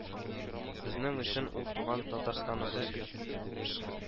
Безнең өчен ул туган Татарстаныбыз